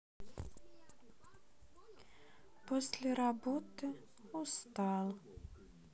после работы устал